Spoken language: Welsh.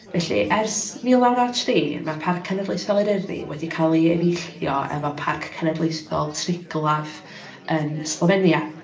Felly, ers 1993, ma' Parc Cenedlaethol Eryri wedi cael ei efeillio efo Parc Cenedlaethol Triglav yn Slofenia.